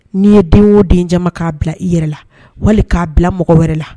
N'i ye den o denja k'a bila i yɛrɛ la wali k'a bila mɔgɔ wɛrɛ la